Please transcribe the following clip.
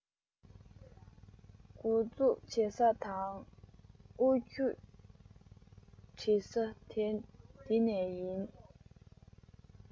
མགོ འཛུགས བྱེད ས དང དབུ ཁྱུད འབྲི ས དེ འདི ནས ཡིན